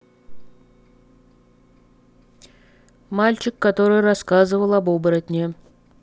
мальчик который рассказывал об оборотне